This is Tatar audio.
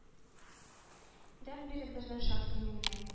Дәрт биреп безнең шат күңелгә.